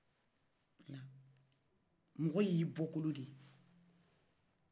mɔgɔy'i bɔkɔlo den ye